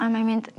...a mae'n mynd...